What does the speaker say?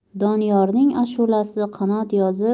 doniyorning ashulasi qanot yozib